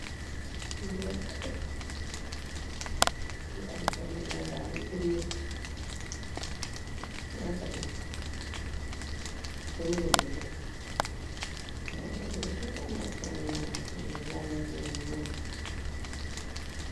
Boole abe yu am carma yangaani ci biir refetna teh nuruna lu nex eboole abe bu tegg am craman ci birr nyambi yoyu nonu.